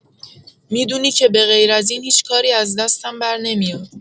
می‌دونی که به غیراز این هیچ کاری از دستم برنمیاد.